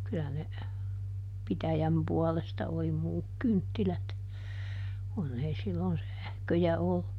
kyllä ne pitäjän puolesta oli muut kynttilät kun ei silloin sähköjä ollut